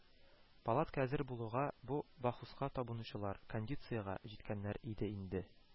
Палатка әзер булуга, бу “Бахуска табынучылар” “кондициягә” җиткәннәр иде инде